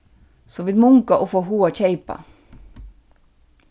so vit munga og fáa hug at keypa